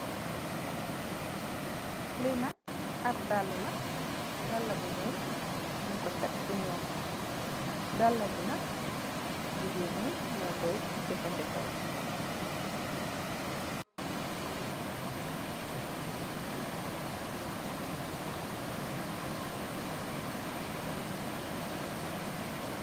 Lii nak ahb daalah la, daalah bu njull, njung kor tek fu njull, daalah bii nak gigain njee njur koi jeufandehkor.